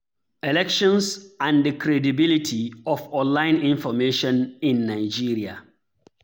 Elections and the credibility of online information in Nigeria